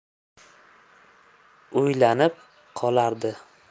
o'ylanib qolardi